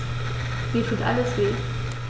Mir tut alles weh.